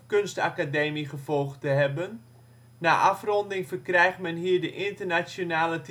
Kunstacademie gevolgd te hebben. Na afronding verkrijgt men hier de (internationale